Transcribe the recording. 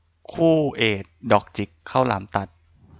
คู่เอดดอกจิกข้าวหลามตัด